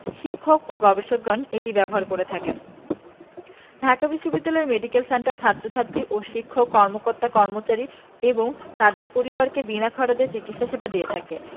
শিক্ষক ও গবেষকগণ এটি ব্যবহার করে থাকেন ঢাকা বিশ্ববিদ্যালয় মেডিকেল সেন্টার ছাত্রছাত্রী ও শিক্ষক কর্মকর্তাকর্মচারী এবং তাদের পরিবারকে বিনা খরচে চিকিৎসা সেবা দিয়ে থাকে